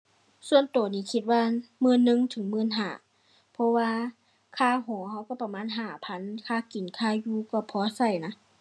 ส่วนตัวนี่คิดว่าหมื่นหนึ่งถึงหมื่นห้า เพราะว่าค่าหอตัวก็ประมาณห้าพัน ค่ากินค่าอยู่ก็พอตัวนะ